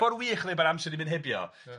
Ffor wych o ddeu bod amser 'di mynd hebio. Ia.